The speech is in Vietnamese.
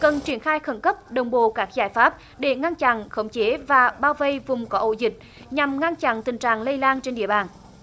cần triển khai khẩn cấp đồng bộ các giải pháp để ngăn chặn khống chế và bao vây vùng có ổ dịch nhằm ngăn chặn tình trạng lây lan trên địa bàn